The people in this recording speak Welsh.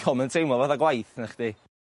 'Di o'm yn teimlo fatha gwaith nachdi?